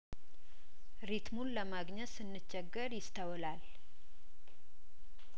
ሪት ሙን ለማግኘት ስንቸገር ይስተውላል